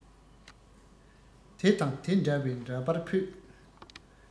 དེ དང དེ འདྲ བའི འདྲ པར ཕུད